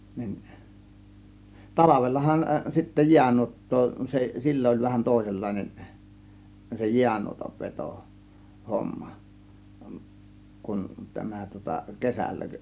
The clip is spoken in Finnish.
niin talvellahan sitten jäänuottaa se silloin oli vähän toisenlainen se jäänuotan veto homma kuin tämä tuota kesällä